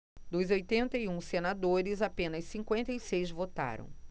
dos oitenta e um senadores apenas cinquenta e seis votaram